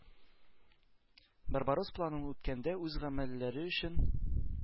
“барбаросс” планын үтәгәндә үз гамәлләре өчен